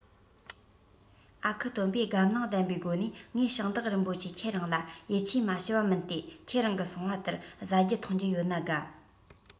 ཨ ཁུ སྟོན པས སྒམ བརླིང ལྡན པའི སྒོ ནས ངས ཞིང བདག རིན པོ ཆེ ཁྱེད རང ལ ཡིད ཆེས མ ཞུ བ མིན ཏེ ཁྱེད རང གིས གསུངས པ ལྟར བཟའ རྒྱུ འཐུང རྒྱུ ཡོད ན དགའ